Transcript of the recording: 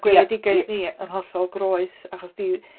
Gweledigaeth ni yn hollol groes achos 'di...